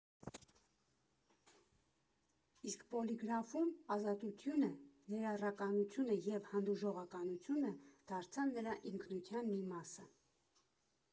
Իսկ Պոլիգրաֆում ազատությունը, ներառականությունը և հանդուրժողականությունը դարձան նրա ինքնության մի մասը։